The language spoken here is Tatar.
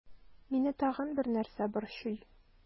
Мине тагын бер нәрсә борчый.